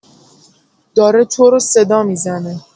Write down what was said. داره تو رو صدا می‌زنه!